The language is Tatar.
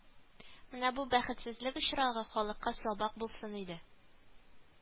Менә бу бәхетсезлек очрагы халыкка сабак булсын иде